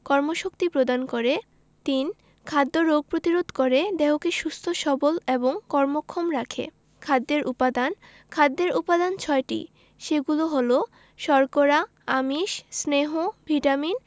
৩. খাদ্য রোগ প্রতিরোধ করে দেহকে সুস্থ সবল এবং কর্মক্ষম রাখে খাদ্যের উপাদান খাদ্যের উপাদান ছয়টি সেগুলো হলো শর্করা আমিষ স্নেহ ভিটামিন